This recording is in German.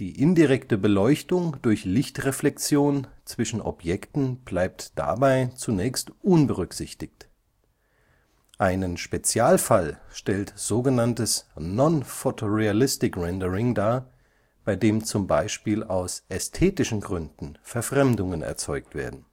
indirekte Beleuchtung durch Lichtreflexion zwischen Objekten bleibt dabei zunächst unberücksichtigt. Einen Spezialfall stellt sogenanntes Non-photorealistic Rendering dar, bei dem zum Beispiel aus ästhetischen Gründen Verfremdungen erzeugt werden